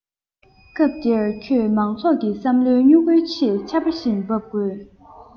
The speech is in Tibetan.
སྐབས དེར ཁྱོད མང ཚོགས ཀྱི བསམ བློའི མྱུ གུའི ཆེད ཆར པ བཞིན འབབ དགོས